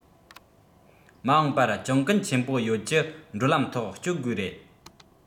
མ འོངས པར གྱོང གུན ཆེན པོ ཡོད ཀྱི འགྲོ ལམ ཐོག སྐྱོད དགོས རེད